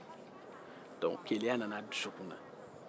dɔnku keleya nana a dusukun na